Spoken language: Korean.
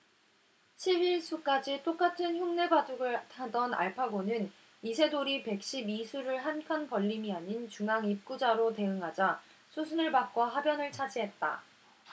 십 일 수까지 똑같은 흉내바둑을 하던 알파고는 이세돌이 백 십 이 수로 한 칸 벌림이 아닌 중앙 입구 자로 대응하자 수순을 바꿔 하변을 차지했다